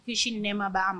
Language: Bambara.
Kisi ni nɛma ba ma.